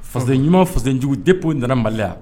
Faz ɲumanuma fasɛnjugu dep in nana maliya